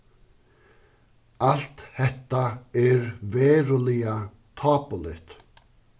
alt hetta er veruliga tápuligt